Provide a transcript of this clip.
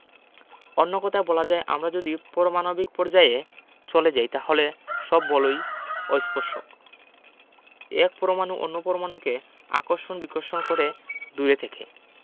অন্য কথায় বলা যায় আমরা যদি পরমাণবিক পর্যায়ে চলে যাই তাহলে সব বলই অস্পর্শক এক পরমাণু অন্য পরমাণুকে আকর্ষণবিকর্ষণ করে দূরে থেকে